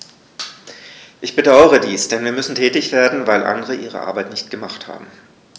Ich bedauere dies, denn wir müssen tätig werden, weil andere ihre Arbeit nicht gemacht haben.